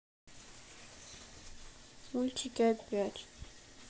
мультики опять